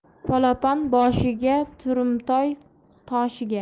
polopon boshiga turumtoy to'shiga